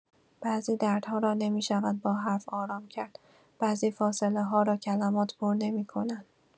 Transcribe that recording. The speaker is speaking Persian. بعضی دردها را نمی‌شود با حرف آرام کرد، بعضی فاصله‌ها را کلمات پر نمی‌کنند.